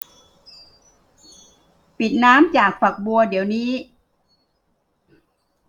ปิดน้ำจากฝักบัวเดี๋ยวนี้